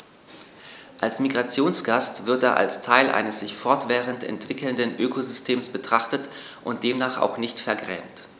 Als Migrationsgast wird er als Teil eines sich fortwährend entwickelnden Ökosystems betrachtet und demnach auch nicht vergrämt.